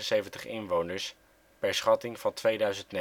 2.775 inwoners (schatting 2009). De